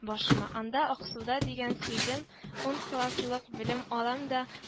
Башыма: анда, аксуда, дигән сүзем, ун класслык белем алам да